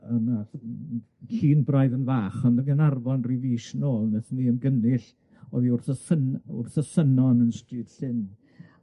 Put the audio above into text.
llun braidd yn fach, ond yn Garnarfon ryw fis nôl nethon ni ymgynnull o'dd 'i wrth y ffyn- wrth y ffynon yn stryd llyn